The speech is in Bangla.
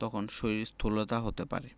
তখন শরীর স্থুলকায় হতে পারে